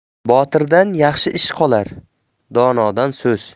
botirdan yaxshi ish qolar donodan so'z